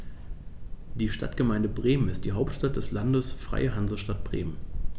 Die Stadtgemeinde Bremen ist die Hauptstadt des Landes Freie Hansestadt Bremen.